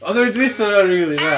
Oedd yr un dwytha yna yn rili da!